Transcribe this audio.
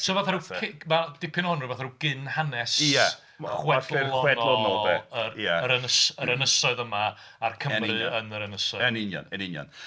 So fatha rhyw ci- mae dipyn o hwn fatha rhyw gyn-hanes chwedlonol yr ynys- yr ynysoedd yma a'r Cymry yn yr ynysoedd... Yn union yn union.